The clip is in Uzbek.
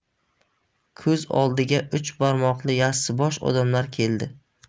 ko'z oldiga uch barmoqli yassibosh odamlar keldi